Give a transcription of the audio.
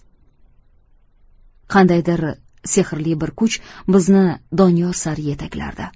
qandaydir sehrli bir kuch bizni doniyor sari yetaklardi